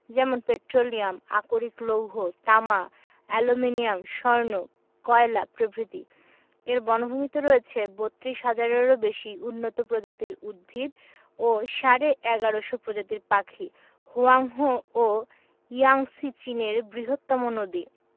যেমন পেট্রোলিয়াম আকরিক লৌহ তামা অ্যালুমিনিয়াম স্বর্ণ কয়লা প্রভৃতি এর বনভূমিতে রয়েছে ৩২ হাজারেরও বেশি উন্নত প্রজাতির উদ্ভিত ও সাড়ে ১১শ প্রজাতির পাখি হোয়াংহো ও ইয়াংসি চীনের বৃহত্তম নদী